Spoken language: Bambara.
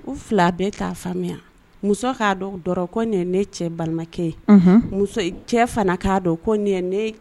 U fila bɛ k'a faamuya muso'a dɔrɔn ne cɛ banakɛ cɛ fana k'a dɔn